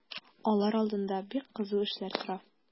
Алар алдында бик кызу эшләр тора.